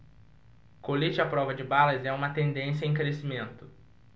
colete à prova de balas é uma tendência em crescimento